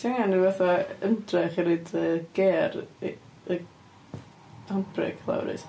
Ti angen rhyw fath o ymdrech i rhoid yy ger y y handbrake lawr wyt?